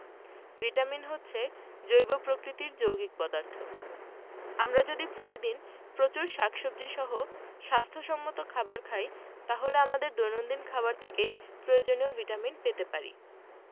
vitamin হচ্ছে জৈব প্রকৃতির যৌগিক পদার্থ আমরা যদি প্রতিদিন প্রচুর শাকসবজী সহ স্বাস্থ্য সম্মত খাবার খাই তাহলে আমাদের দৈনন্দিন খাবার থেকেই প্রয়োজনীয় ভিটামিন পেয়ে যেতে পারি